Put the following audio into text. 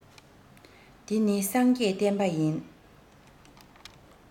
འདི ནི སངས རྒྱས བསྟན པ ཡིན